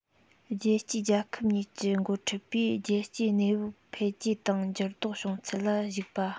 ཀྲུང ཨུའི རྒྱལ ཁབ གཉིས ཀྱི འགོ ཁྲིད པས རྒྱལ སྤྱིའི གནས བབ འཕེལ རྒྱས དང འགྱུར ལྡོག བྱུང ཚུལ ལ གཞིགས པ